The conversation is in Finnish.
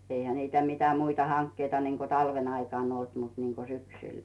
eihän niitä mitä muita hankkeita niin kuin talven aikana ollut mutta niin kuin syksyllä